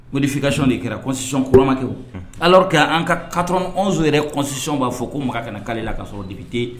O deikasi de kɛrasion kɔrɔmakɛ alake an ka katso yɛrɛsion b'a fɔ ko makan ka'ale la ka sɔrɔ debite